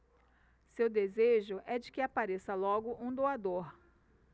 seu desejo é de que apareça logo um doador